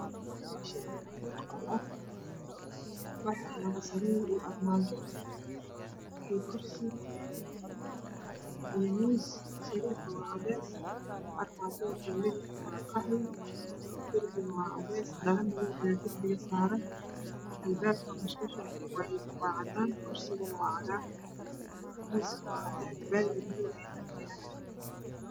Meeshaan waa qol waxaa yaalo sariir iyo armaajo, kursi iyo miis. Sariirtu waa cadeys armaajada tawleed ka ah waa qaxwi. Darbiguna waa cadeys dhalo madow ayaa darbiga saaran. Albaabka musqusha waa cadaan kursigu waa cagaar ,miiska waa cadaan baaldi madow ayaa agyaalo.